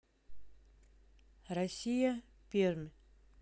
россия пермь